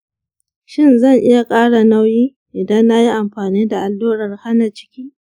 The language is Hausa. shin zan iya ƙara nauyi idan na yi amfani da allurar hana ciki?